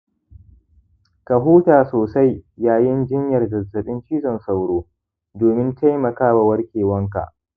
ka huta sosai yayin jinyar zazzaɓin cizon sauro domin taimakawa warkewanka